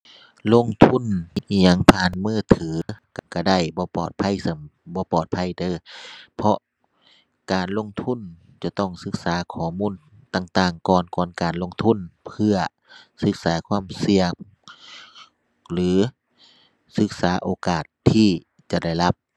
ลงทุนอิหยังผ่านมือถือก็ได้บ่ปลอดภัยซ้ำ บ่ปลอดภัยเด้อ การลงทุนจะต้องศึกษาข้อมูต่างต่างก่อนก่อนการลงทุนเพื่อศึกษาความเสี่ยงหรือศึกษาโอกาสที่จะได้รับ